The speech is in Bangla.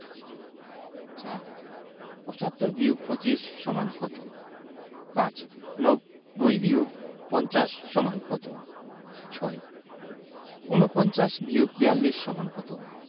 ৪ ৭৫-২৫ = কত ৫ ৯০-৫০ = কত ৬ ৪৯-৪২ = কত